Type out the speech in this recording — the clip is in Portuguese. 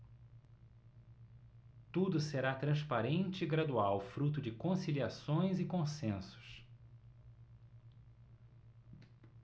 tudo será transparente e gradual fruto de conciliações e consensos